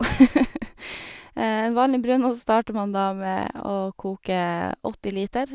En vanlig brunost starter man da med å koke åtti liter.